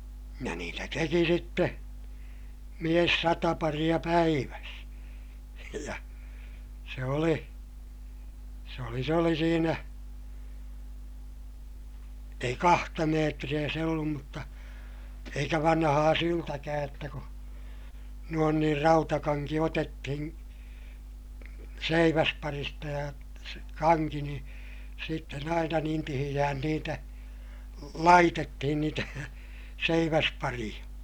ja niitä teki sitten mies sata paria päivässä ja se oli se oli se oli siinä ei kahta metriä se ollut mutta eikä vanhaa syltäkään jotta kun noin niin rautakanki otettiin seiväsparista ja kanki niin sitten aina niin tiheään niitä laitettiin niitä seiväspareja